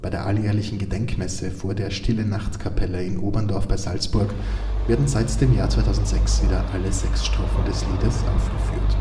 Bei der alljährlichen Gedenkmesse vor der Stille-Nacht-Kapelle in Oberndorf bei Salzburg werden seit dem Jahr 2006 wieder alle sechs Strophen des Liedes aufgeführt